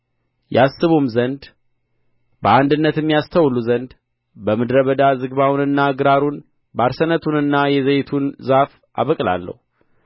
ያስቡም ዘንድ በአንድነትም ያስተውሉ ዘንድ በምድረ በዳ ዝግባውንና ግራሩን ባርሰነቱንና የዘይቱን ዛፍ አበቅላለሁ